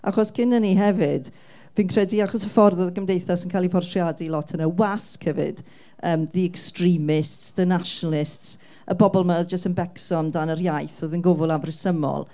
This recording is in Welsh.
Achos cyn hynny hefyd, fi'n credu, achos y ffordd oedd y gymdeithas yn cael ei phortreadu lot yn y wasg hefyd, the extremists, the nationalists, y bobl 'ma oedd jyst yn becso amdano yr iaith, roedd yn gwbl afresymol.